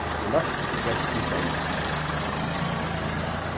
gløgt er gestsins eyga